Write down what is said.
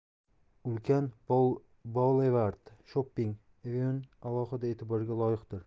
ulkan boulevard shopping avenue alohida e'tiborga loyiqdir